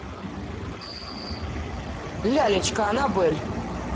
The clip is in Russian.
лялечка анабель